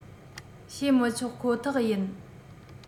བྱེད མི ཆོག ཁོ ཐག ཡིན